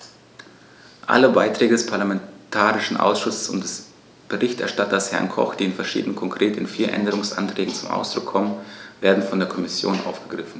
Alle Beiträge des parlamentarischen Ausschusses und des Berichterstatters, Herrn Koch, die in verschiedenen, konkret in vier, Änderungsanträgen zum Ausdruck kommen, werden von der Kommission aufgegriffen.